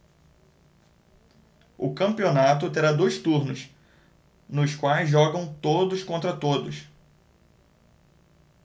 o campeonato terá dois turnos nos quais jogam todos contra todos